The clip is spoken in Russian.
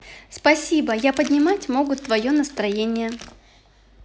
спасибо я поднимать могут твое настроение